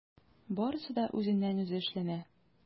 Барысы да үзеннән-үзе эшләнә.